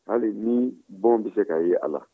hali nibɔ bɛ se ka ye a la